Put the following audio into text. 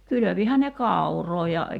kylvihän ne kauraa ja